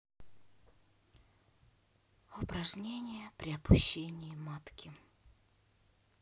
упражнения при опущении матки